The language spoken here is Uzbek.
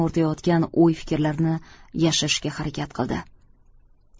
o'rtayotgan o'y fikrlarini yashirishga harakat qildi